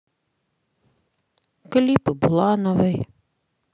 клипы булановой